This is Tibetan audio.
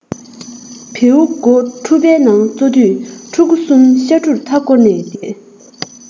བེའུ མགོ ཕྲུ བའི ནང བཙོ དུས ཕྲུ གུ གསུམ ཤ ཕྲུར མཐའ སྐོར ནས བསྡད